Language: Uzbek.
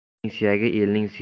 ering suydi eling suydi